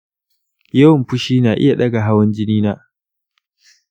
yawan fushi na iya ɗaga hawan jini na?